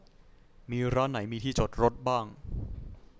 มีร้านไหนมีที่จอดรถบ้าง